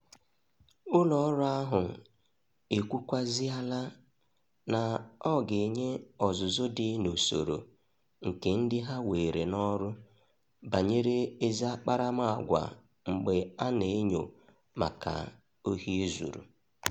Ụlọ ọrụ ahụ ekwukwazịaala na ọ ga-enye ọzụzụ dị n'usoro nke ndị ha weere n'ọrụ banyere ezi akparamaagwa mgbe a na-enyo maka ohi e zuru.